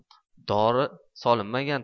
dori solinmagan